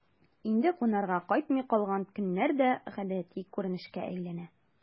Инде кунарга кайтмый калган көннәр дә гадәти күренешкә әйләнә...